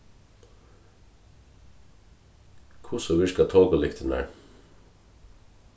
hvussu virka tokulyktirnar